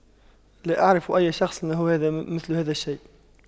لا أعرف أي شخص له هذا مثل هذا الشيء